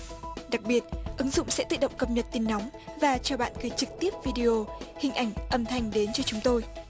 đặc biệt ứng dụng sẽ tự động cập nhật tin nóng và cho bạn quay trực tiếp vi đi ô hình ảnh âm thanh đến cho chúng tôi